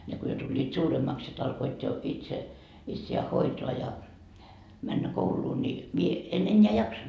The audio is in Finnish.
ne kun jo tulivat suuremmaksi sitten alkoivat jo itse itseään hoitaa ja mennä kouluun niin minä en enää jaksanut